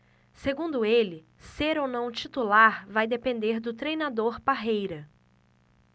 segundo ele ser ou não titular vai depender do treinador parreira